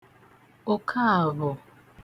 Okaavhọ̀